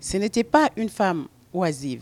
Senɛtɛ pa in fam